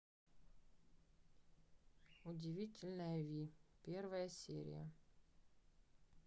удивительная ви первая серия